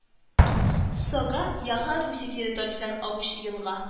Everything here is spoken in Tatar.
Сога-Яха Русия территориясеннән агучы елга